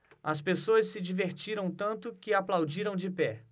as pessoas se divertiram tanto que aplaudiram de pé